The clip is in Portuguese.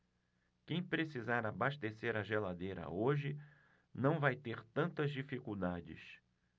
quem precisar abastecer a geladeira hoje não vai ter tantas dificuldades